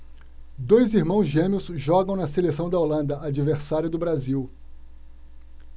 dois irmãos gêmeos jogam na seleção da holanda adversária do brasil